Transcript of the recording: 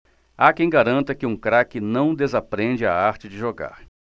há quem garanta que um craque não desaprende a arte de jogar